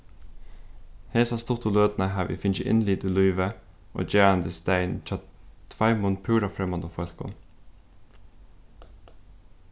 hesa stuttu løtuna havi eg fingið innlit í lívið og gerandisdagin hjá tveimum púra fremmandum fólkum